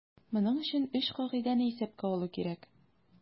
Моның өчен өч кагыйдәне исәпкә алу кирәк.